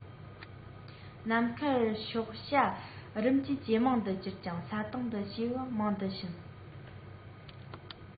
ནམ མཁར ཤོག བྱ རིམ གྱི ཇེ མང དུ གྱུར ཅིང ས སྟེང དུ བྱིས པའང མང དུ ཕྱིན